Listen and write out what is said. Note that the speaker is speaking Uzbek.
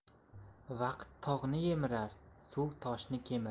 vaqt tog'ni yemirar suv toshni kemirar